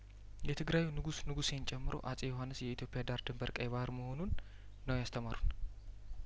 የትግራዩንጉስንጉሴን ጨምሮ አጼ ዮሀንስ የኢትዮፕያዳር ድንበር ቀይባህር መሆኑን ነው ያስተማሩን